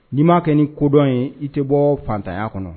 N'i m'a kɛ ni kodɔn ye, i tɛ bɔ fantanya kɔnɔ.